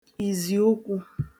ìzìụkwụ̄